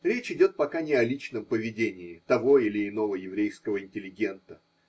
Речь идет пока не о личном поведении того или иного еврейского интеллигента.